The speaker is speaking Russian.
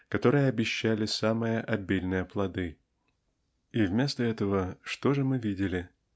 которые обещали самые обильные плоды. И вместо этого что же мы видели?